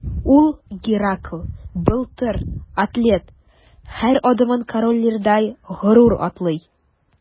Ул – Геракл, Былтыр, атлет – һәр адымын Король Лирдай горур атлый.